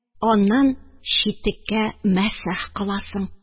Аннан читеккә мәсех кыласың.